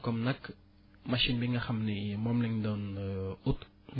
comme nag machine bi nga xam ni moom lañ doon ut